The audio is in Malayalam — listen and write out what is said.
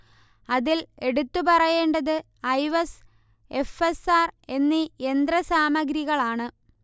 അതിൽ എടുത്തു പറയേണ്ടത് ഐവസ്, എഫ്. എസ്. ആർ. എന്നീ യന്ത്ര സാമഗ്രികളാണ്